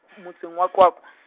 motseng wa Qwaqwa.